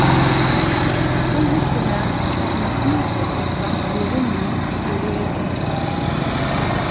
hann vísti mær á eina sniðgøtu fram við runnunum við vegin